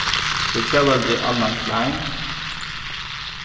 fyri tjóðveldið allan klein